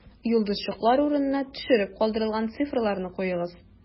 Йолдызчыклар урынына төшереп калдырылган цифрларны куегыз: